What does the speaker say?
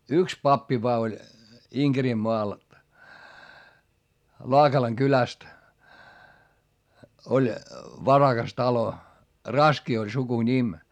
yksi pappi vain oli Inkerinmaalla Laakalan kylästä oli varakas talo Raski oli sukunimi